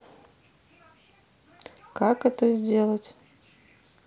как это сделать